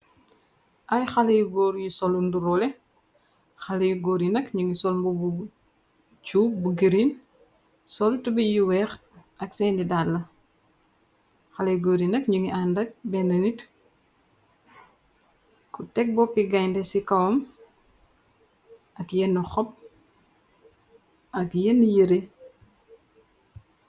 Ay xalayu góor yu solu nduroole xala yu góor yi nak ñu ngi solmbo bu cu bu giriin sol tubi yu weex ak seeni dalla xalayu góor yi nak ñu ngi àndak benn nit ku teg boppi gaynde ci kawam ak yenen xop ak yenn yere.